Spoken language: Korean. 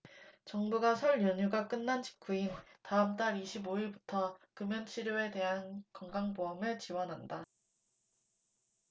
정부가 설 연휴가 끝난 직후인 다음 달 이십 오 일부터 금연치료에 대해 건강보험을 지원한다